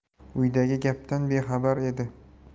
uydagi gapdan bexabar edi